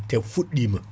te fuɗɗima